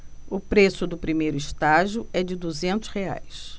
o preço do primeiro estágio é de duzentos reais